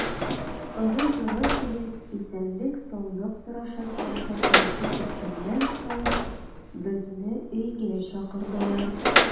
Ыгы-зыгы килеп, исәнлек-саулык сораша-сораша күрешеп беткәннән соң, безне өйгә чакырдылар.